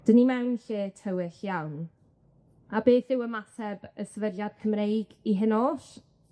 'dyn ni mewn lle tywyll iawn, a beth yw ymateb y Sefydliad Cymreig i hyn oll?